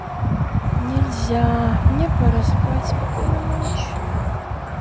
нельзя мне пора спать спокойной ночи